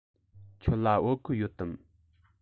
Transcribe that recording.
ཁྱོད ལ བོད གོས ཡོད དམ